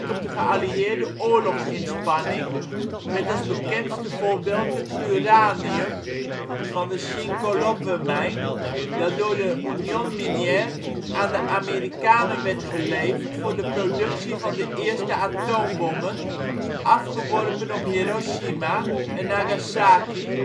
op de geallieerde oorlogsinspanning (met als bekendste voorbeeld het uranium van de Shinkolobwe-mijn dat door de Union Minière aan de Amerikanen werd geleverd voor de productie van de eerste atoombommen, afgeworpen op Hiroshima en Nagasaki